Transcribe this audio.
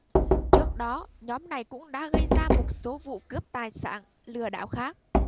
trước đó nhóm này cũng đã gây ra một số vụ cướp tài sản lừa đảo khác